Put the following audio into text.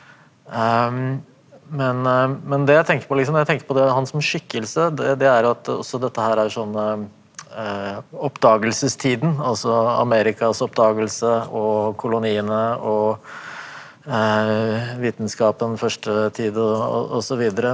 men men det jeg tenkte på liksom når jeg tenkte på det han som skikkelse det det er at også dette her er sånn oppdagelsestiden altså Amerikas oppdagelse og koloniene og vitenskapen første tid og og så videre.